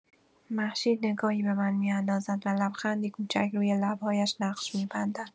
مهشید نگاهی به من می‌اندازد و لبخندی کوچک روی لب‌هایش نقش می‌بندد.